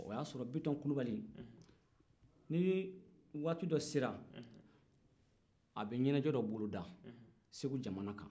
o y'a sɔrɔ biton kulubali ni waati dɔ sera a bɛ ɲɛnajɛ dɔ bolo da segu jamana kan